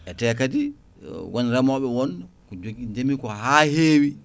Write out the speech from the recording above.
ete kadi won reemoɓe won ko jogui ndemi ko ha hewi